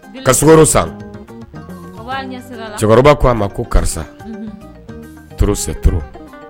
ka sugaro san o b'a ɲɛsira la cɛkɔrɔba ko a ma ko karisa unhun trop c'est trop